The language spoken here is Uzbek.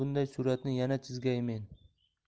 bunday suratni yana chizgaymen